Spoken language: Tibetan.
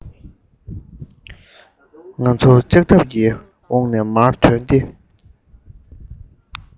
ང ཚོ ལྕགས ཐབ ཀྱི འོག ནས མར ཐོན ཏེ